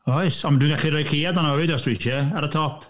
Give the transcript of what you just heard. Oes, ond dwi'n gallu rhoi ceuad arno hefyd os dwi isie, ar y top.